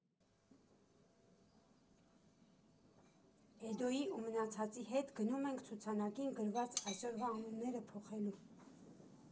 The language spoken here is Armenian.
Էդոյի ու մնացածի հետ գնում ենք ցուցանակին գրված այսօրվա անունները փոխելու։